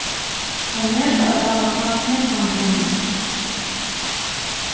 tey meta at hava spart nógvan pening